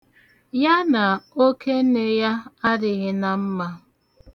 Ya na okene ya adịghị na mma.